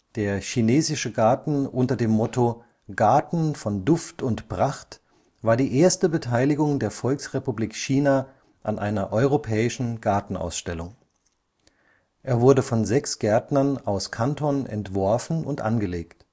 Der chinesische Garten unter dem Motto Garten von Duft und Pracht war die erste Beteiligung der Volksrepublik China an einer europäischen Gartenausstellung. Er wurde von sechs Gärtnern aus Kanton entworfen und angelegt